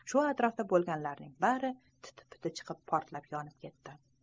shu atrofda bo'lganlarning bari tit piti chiqib portlab yonib ketdi